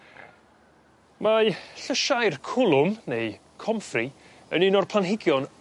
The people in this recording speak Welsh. Mae llysiai'r cwlwm neu comfrey yn un o'r planhigion